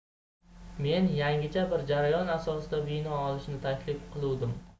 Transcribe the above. men yangicha bir jarayon asosida vino olishni taklif qiluvdim